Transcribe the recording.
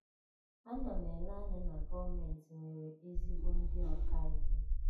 Ana m ele anya na gọọmentị nwere ezigbo ndị ọka iwu.